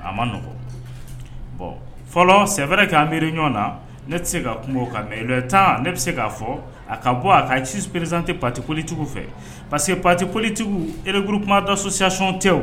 A maɔgɔn fɔlɔ sɛ wɛrɛɛrɛ k'a miiri ɲɔgɔn na tɛ se ka kun ka tan ne bɛ se k'a fɔ a ka bɔ a ka ciperesiz tɛ pati kolitigiw fɛ pa que patilitigiw guruk da sosocɔn te o